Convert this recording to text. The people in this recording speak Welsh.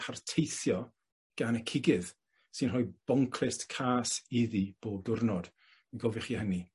harteithio gan y cigydd sy'n rhoi bonclust cas iddi bob dwrnod. gofiwch chi hynny.